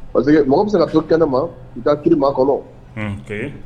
Parce que mɔgɔ bɛ se ka to kɛnɛ ma i taa kirima kɔnɔ